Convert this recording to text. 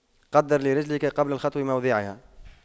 قَدِّرْ لِرِجْلِكَ قبل الخطو موضعها